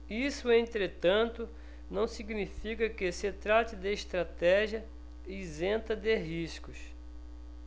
isso entretanto não significa que se trate de estratégia isenta de riscos